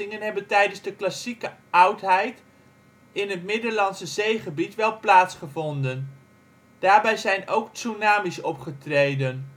hebben tijdens de klassieke oudheid in het Middellandse Zeegebied wel plaatsgevonden. Daarbij zijn ook tsunami 's opgetreden